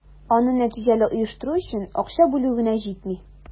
Аны нәтиҗәле оештыру өчен акча бүлү генә җитми.